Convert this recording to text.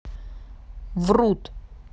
врут